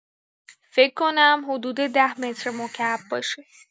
فک کنم حدود ۱۰ مترمکعب باشه.